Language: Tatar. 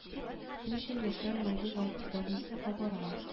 Ни өчен яшьләр мондый вандализмга бара